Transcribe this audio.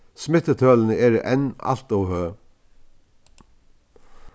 smittutølini eru enn alt ov høg